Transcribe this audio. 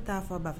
U bɛ taa fɔ ba